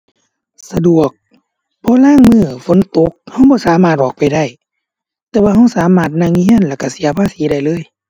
สะดวก เพราะลางมื้อฝนตกเราบ่สามารถออกไปได้ แต่ว่าเราสามารถนั่งอยู่เราแล้วเราเสียภาษีได้เลย